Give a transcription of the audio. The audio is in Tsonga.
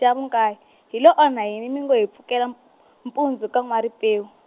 xa vu nkaye, hi lo onha yini mi ngo hi pfukela m-, mpundzu ka N'wa-Ripewu?